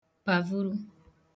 pàvuru